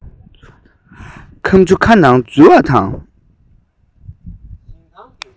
ཁམ ཆུ ཁ ནང འཛུལ བ དང